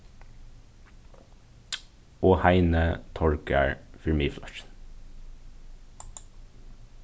og heini tórgarð fyri miðflokkin